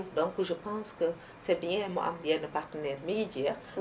donc je pense que c' est bien mu am yenn partenaires mi ngi jéem